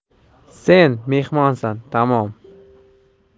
sen mehmonsan tamom